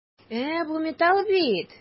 Ә бу металл бит!